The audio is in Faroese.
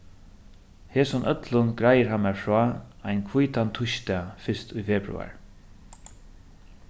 hesum øllum greiðir hann mær frá ein hvítan týsdag fyrst í februar